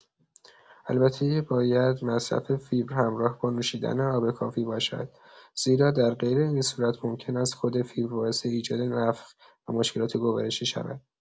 البته باید مصرف فیبر همراه با نوشیدن آب کافی باشد، زیرا در غیر این صورت ممکن است خود فیبر باعث ایجاد نفخ و مشکلات گوارشی شود.